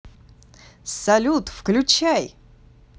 салют включай